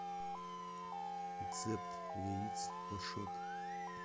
рецепт яиц пашот